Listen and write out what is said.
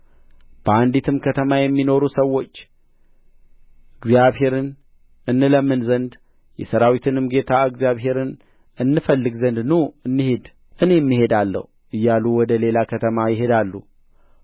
በአንዲትም ከተማ የሚኖሩ ሰዎች እግዚአብሔርን እንለምን ዘንድ የሠራዊትንም ጌታ እግዚአብሔርን እንፈልግ ዘንድ ኑ እንሂድ እኔም እሄዳለሁ እያሉ ወደ ሌላ ከተማ ይሄዳሉ